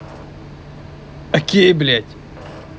окей блять